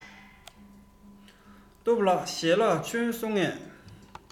སྟོབས ལགས ཞལ ལག མཆོད སོང ངས